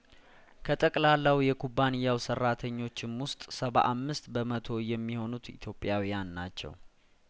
ከጠቅላላው የኩባንያው ሰራተኞችም ውስጥ ሰባ አምስት በመቶ የሚሆኑት ኢትዮጵያውያን ናቸው